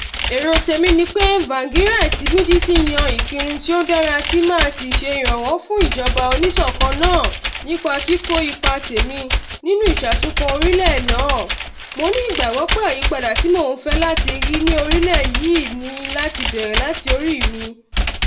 Èrò tèmi ni pé Tsvangirai àti MDC yan ìpinnu tí ó dára tí màá sì ṣe ìrànwọ́ fún ìjọba oníṣọ̀kan náà nípa kíkó ipa tèmi nínú ìṣàtúnkọ́ orílẹ̀ náà, mo ní ìgbàgbọ́ pé àyípadà tí mò ń fẹ́ láti rí ní orílẹ̀ yìí ní láti bẹ́rẹ́ láti orí mi.